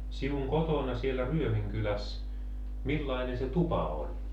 sinun kotona siellä Ryömin kylässä millainen se tupa oli